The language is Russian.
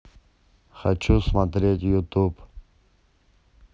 хочу смотреть ютуб